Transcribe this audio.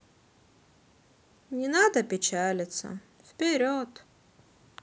не надо печалиться вперед